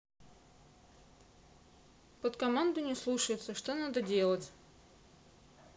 под команду не слушается что надо делать